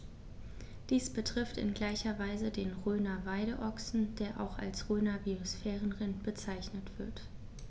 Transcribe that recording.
Dies betrifft in gleicher Weise den Rhöner Weideochsen, der auch als Rhöner Biosphärenrind bezeichnet wird.